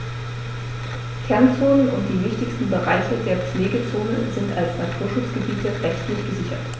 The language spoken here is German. Kernzonen und die wichtigsten Bereiche der Pflegezone sind als Naturschutzgebiete rechtlich gesichert.